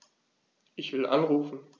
Ich will anrufen.